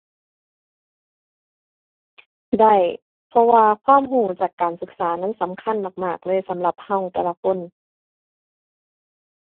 ได้ เพราะว่าความรู้จากการศึกษานั่นสำคัญมากมากเลยสำหรับรู้แต่ละคน